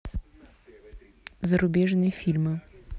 зарубежные фильмы